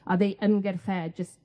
A o'dd ei ymgyrch e jyst